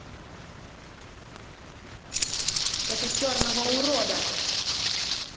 это черного урода